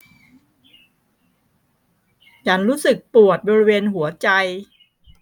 ฉันรู้สึกปวดบริเวณหัวใจ